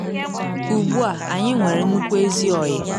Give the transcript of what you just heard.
Ugbu a anyị nwere nnukwu ezi ọyị”